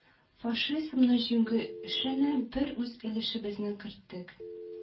Фашизмны җиңү эшенә без үз өлешебезне керттек,